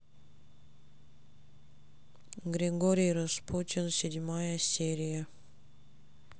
григорий распутин седьмая серия